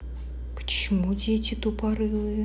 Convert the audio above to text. почему дети тупорылые